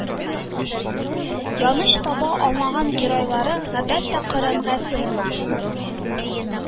Яныч таба алмаган геройлары, гадәттә, коръәнгә сыена